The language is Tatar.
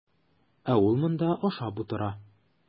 Ә ул монда ашап утыра.